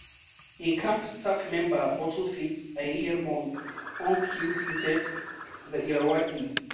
A camp staff member bottle-feeds Ayeyar Maung. / Aung Kyaw Htet / The Irrawaddy